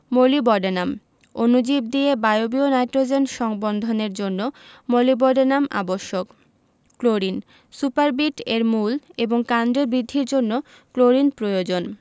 molybdenum অণুজীব দিয়ে বায়বীয় নাইট্রোজেন সংবন্ধনের জন্য মোলিবডেনাম আবশ্যক ক্লোরিন সুপারবিট এর মূল এবং কাণ্ডের বৃদ্ধির জন্য ক্লোরিন প্রয়োজন